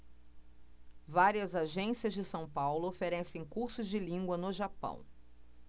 várias agências de são paulo oferecem cursos de língua no japão